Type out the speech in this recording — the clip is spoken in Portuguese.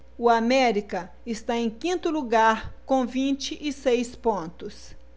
o américa está em quinto lugar com vinte e seis pontos